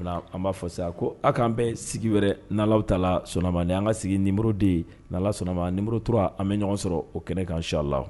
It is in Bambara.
An b'a fɔ saya ko aw k'an bɛ sigi wɛrɛ n nalaw ta la so sɔnnama na an ka sigi niuruden na sɔnnama niuru tora an bɛ ɲɔgɔn sɔrɔ o kɛnɛkan sɔ la